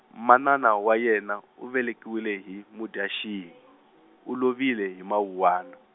manana wa yena u velekiwile hi Mudyaxihi, u lovile hi Mawuwana.